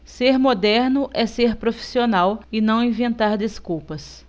ser moderno é ser profissional e não inventar desculpas